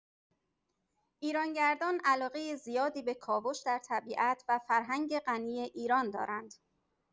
ایرانگردان علاقه زیادی به کاوش در طبیعت و فرهنگ غنی ایران دارند.